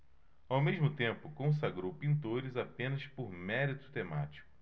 ao mesmo tempo consagrou pintores apenas por mérito temático